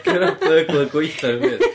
Gan y burgler gwaetha yn y byd.